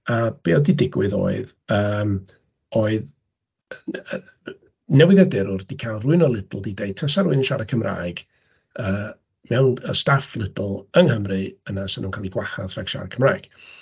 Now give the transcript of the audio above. A be oedd 'di digwydd oedd, yym oedd newyddiadurwr 'di cael rhywun o Lidl di deud tasa rhywun yn siarad Cymraeg yy mewn... y staff Lidl yng Nghymru yna 'sa nhw'n cael eu gwahardd rhag siarad Cymraeg.